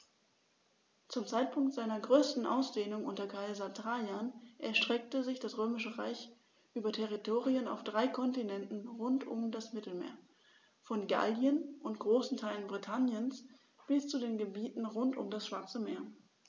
Zum Zeitpunkt seiner größten Ausdehnung unter Kaiser Trajan erstreckte sich das Römische Reich über Territorien auf drei Kontinenten rund um das Mittelmeer: Von Gallien und großen Teilen Britanniens bis zu den Gebieten rund um das Schwarze Meer.